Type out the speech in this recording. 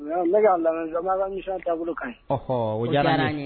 Ne lam kami taabolo kan ɔ o diyara